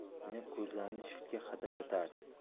zaynab ko'zlarini shiftga qadab yotardi